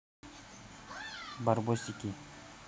барбосики